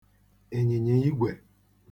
ịnyị̀nyà igwè